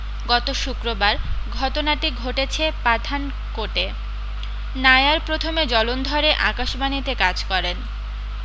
গত শুক্রবার ঘটনাটি ঘটেছে পাঠানকোটে নায়ার প্রথমে জলন্ধরে আকাশবাণীতে কাজ করেন